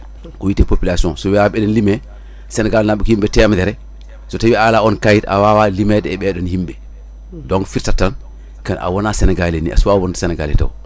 ko wite population so wiyama ene liime Sénégal naaɓe ko yimɓe temedere so tawi a ala on kayit a wawa limede e ɓenɗon himɓe donc firtata tan ka a wona Sénégalais ni a suwa wonde Sénégalais taw